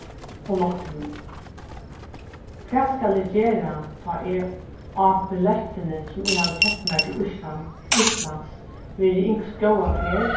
og náttúruni hvat skal eg gera tá eg á billettini sum eg havi keypt mær íslands verði ynskt góða ferð